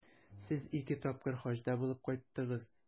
Сез ике тапкыр Хаҗда булып кайттыгыз.